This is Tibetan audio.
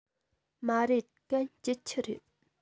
མ རེད གན སྐྱིད ཆུ རེད